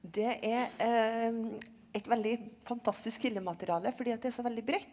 det er et veldig fantastisk kildemateriale fordi at det er så veldig bredt.